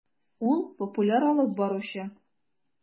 Ул - популяр алып баручы.